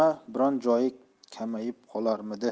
biron joyi kamayib qolarmidi